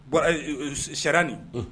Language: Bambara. Bon siraya nin